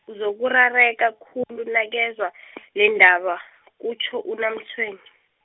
uzokurareka khulu nakezwa , lendaba, kutjho UNaMtshweni.